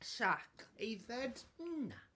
Jacque... Aeddfed? Na.